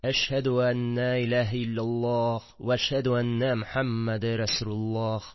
Әшһадү әллә илаһә илляллаһ! Вә әшһәдү әннә Мөхәммәде ррәсулуллаһ!